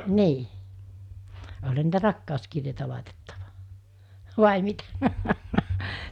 niin olihan niitä rakkauskirjeitä laitettu vai mitä